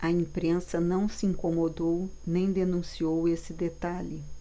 a imprensa não se incomodou nem denunciou esse detalhe